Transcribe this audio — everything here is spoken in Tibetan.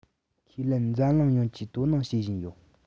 ཁས ལེན འཛམ གླིང ཡོངས ཀྱིས དོ སྣང བྱེད བཞིན ཡོད